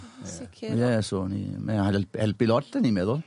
Yn sicir. Ie so o'n i... Ma' hal- help- helpu lot o'n i'n meddwl.